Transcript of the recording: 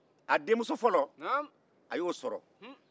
a denmouso fɔlɔ a y'o sɔrɔ